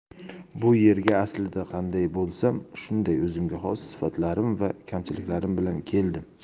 bu yerga aslida qanday bo'lsam shunday o'zimga xos sifatlarim va kamchiliklarim bilan keldim